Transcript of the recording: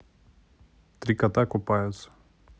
три кота купаются